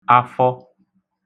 afọ